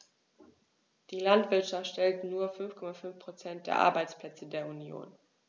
Die Landwirtschaft stellt nur 5,5 % der Arbeitsplätze der Union.